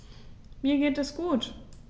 Mir geht es gut.